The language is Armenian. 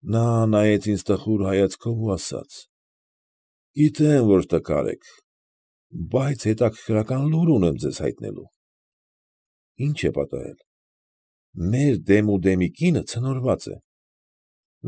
Նա նայեց ինձ տխուր հայացքով ու ասաց. ֊ Գիտեմ, որ տկար եք, բայց հետաքրքրական լուր ունեմ ձեզ հայտնելու։ ֊ Ի՞նչ է պատահել։ ֊ Մեր դեմուդեմի կինը ցնորված է։ ֊